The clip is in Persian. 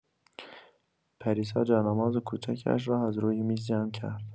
پریسا جانماز کوچکش را از روی میز جمع کرد.